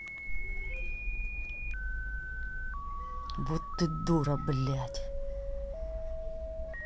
вот ты дура блядь